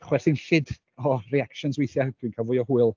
Chwerthinllyd o reactions weithiau a dwi'n cael fwy o hwyl...